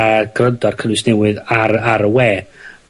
a grando ar cynnwys newydd ar ar y we.